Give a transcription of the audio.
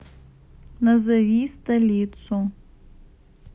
назови столицу